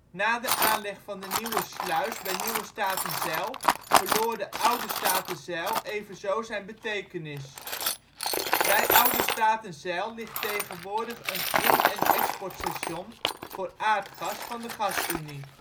Na de aanleg van de nieuwe sluis bij Nieuwe Statenzijl verloor de Oude Statenzijl evenzo zijn betekenis. Bij Oude Statenzijl ligt tegenwoordig een in - en exportstation voor aardgas van de Gasunie